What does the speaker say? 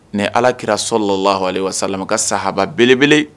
Mɛ ala kira sɔrɔla la laha wa sala ka sahaba belebele